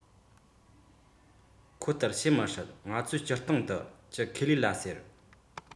ཁོ ལྟར བྱེད མི སྲིད ང ཚོས སྤྱིར བཏང དུ གྱི ཁེ ལས ལ ཟེར